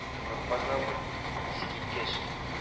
— зур казнамы? — искиткеч